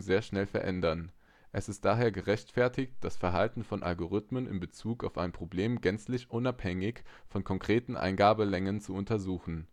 sehr schnell ändern. Es ist daher gerechtfertigt, das Verhalten von Algorithmen in Bezug auf ein Problem gänzlich unabhängig von konkreten Eingabelängen zu untersuchen.